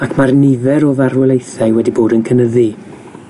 ac ma'r nifer o farwolaethau wedi bod yn cynyddu.